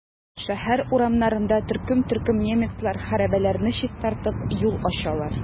Шәһәр урамнарында төркем-төркем немецлар хәрабәләрне чистартып, юл ачалар.